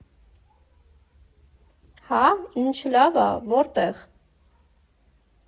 ֊Հա՞, ինչ լավ ա, որտե՞ղ։